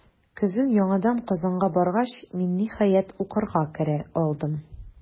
Көзен яңадан Казанга баргач, мин, ниһаять, укырга керә алдым.